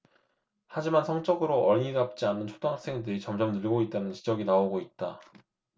하지만 성적으로 어린이 답지 않은 초등학생들이 점점 늘고 있다는 지적이 나오고 있다